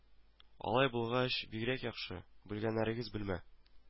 Алай булгач бигрәк яхшы, белгәннәрегез белмә